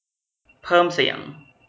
เพิ่มเสียง